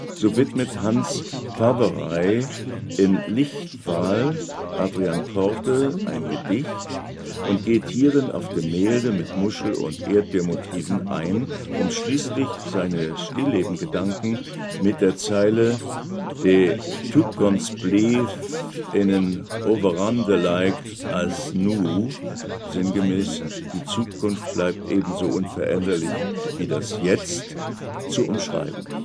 So widmet Hans Faverey in Lichtval Adriaen Coorte ein Gedicht und geht hierin auf Gemälde mit Muschel - oder Erdbeermotiven ein, um schließlich seine Stilllebengedanken mit der Zeile „ de toekomst bleef even onveranderlijk als nu. “(sinngemäß Die Zukunft bleibt ebenso unveränderlich wie das Jetzt) zu umschreiben